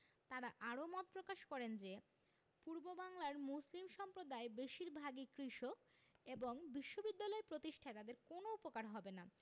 তাঁরা আরও মত প্রকাশ করেন যে পূর্ববাংলার মুসলিম সম্প্রদায় বেশির ভাগই কৃষক এবং বিশ্ববিদ্যালয় প্রতিষ্ঠায় তাদের কোনো উপকার হবে না